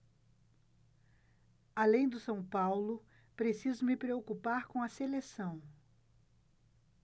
além do são paulo preciso me preocupar com a seleção